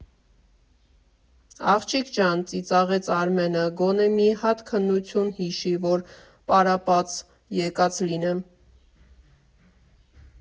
֊ Աղջիկ ջան, ֊ ծիծաղեց Արմենը, ֊ գոնե մի հատ քննություն հիշի, որ պարապած֊եկած լինեմ։